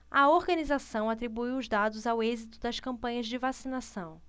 a organização atribuiu os dados ao êxito das campanhas de vacinação